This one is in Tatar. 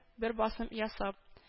Бер басым ясап